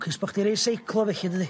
Wwcus bo' chdi'n riseiclo felly dydi?